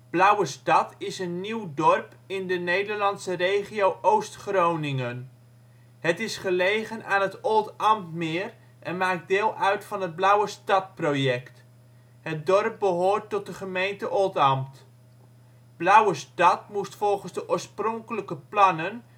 Blauwestad is een nieuw dorp in de Nederlandse regio Oost-Groningen. Het is gelegen aan het Oldambtmeer en maakt deel uit van het Blauwestad-project. Het dorp behoort tot de gemeente Oldambt. Blauwestad moest volgens de oorspronkelijke plannen